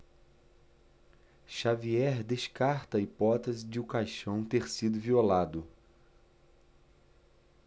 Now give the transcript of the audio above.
xavier descarta a hipótese de o caixão ter sido violado